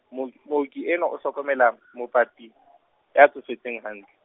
mo-, mooki enwa o hlokomela, mopapi, ya tsofetseng hantle.